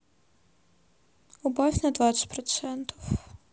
убавь на двадцать процентов